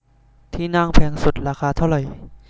ที่นั่งแพงสุดราคาเท่าไหร่